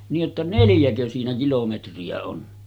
niin että neljäkö siinä kilometriä on